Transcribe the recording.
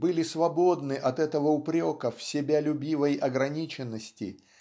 были свободны от этого упрека в себялюбивой ограниченности